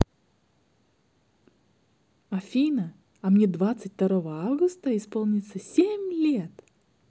афина а мне двадцать второго августа исполнится семь лет